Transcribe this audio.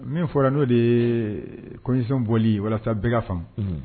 Min fɔra n'o de ye kosi bɔli walasa bɛɛ ka fan